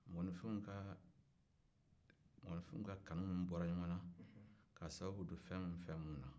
mɔgɔninfinw ka kanu min bɔra ɲɔgɔnna ka sababu don fɛn minnu ni fɛn minnu na